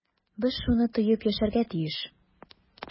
Без шуны тоеп яшәргә тиеш.